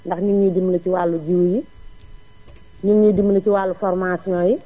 ndax ñu ngi ñuy dimbali si wàllu jiwu yi ñu ngi ñuy dimbale ci wàllu formation yi